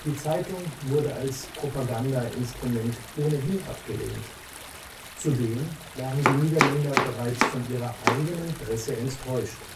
Zeitung wurde als Propagandainstrument ohnehin abgelehnt, zudem waren die Niederländer bereits von ihrer eigenen Presse enttäuscht